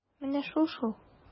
Менә шул-шул!